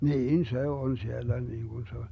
niin se on siellä niin kuin se on